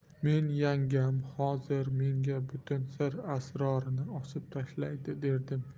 men yangam hozir menga butun sir asrorini ochib tashlaydi derdim